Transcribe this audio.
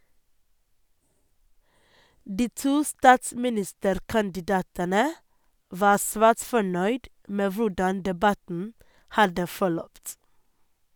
De to statsministerkandidatene var svært fornøyd med hvordan debatten hadde forløpt.